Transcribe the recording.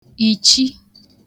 ìchi